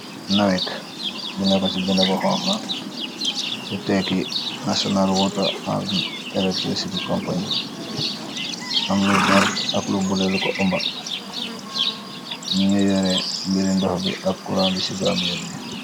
Nawek, binafa ci bina bahone, lu tekki nasional water arlen ellectwa city company, am lu verte , ak lubulelu ko omba, ñu ñu yore mbiri ndox bi, ab kuran bi ci gaamuyer bi.